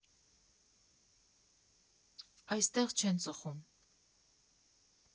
Այստեղ չեն ծխում։